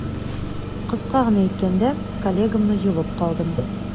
Кыска гына әйткәндә, коллегамны йолып калдым.